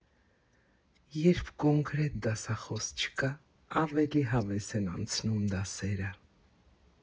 Երբ կոնկրետ դասախոս չկա, ավելի հավես են անցնում դասերը։